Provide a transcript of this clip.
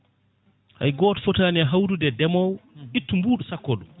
hay goto fotani hawrude e ndemowo itta ɓuuɗu sakko ɗum